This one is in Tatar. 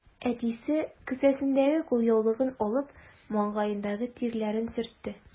Әтисе, кесәсендәге кулъяулыгын алып, маңгаендагы тирләрен сөртте.